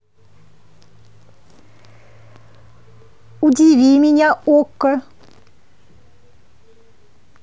удиви меня okko